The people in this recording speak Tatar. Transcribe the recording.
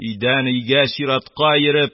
Өйдән өйгә чиратка йөреп,